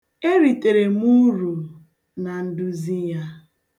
E ritere m uru na nduzi ya.